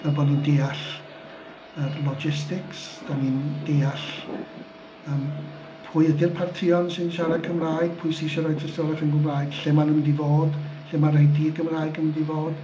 Fel bod ni'n deall yr logistics, dan ni'n deall yym pwy ydy'r partïon sy'n siarad Cymraeg, pwy sy isio rhoi tystiolaeth yn Gymraeg, lle maen nhw'n mynd i fod, lle ma'r rei di-Gymraeg yn mynd i fod.